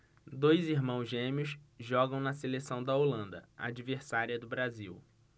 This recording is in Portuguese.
dois irmãos gêmeos jogam na seleção da holanda adversária do brasil